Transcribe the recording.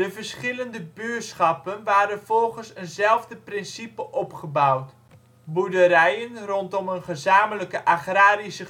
verschillende buurschappen waren volgens een zelfde principe opgebouwd: boerderijen rondom een gezamenlijke agrarische